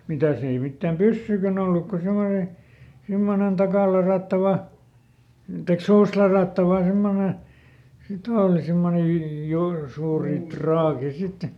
mitäs ei mitään pyssyjäkään ollut kuin semmoinen semmoinen takaaladattava tai suustaladattava semmoinen sitten oli semmoinen -- suuri traaki sitten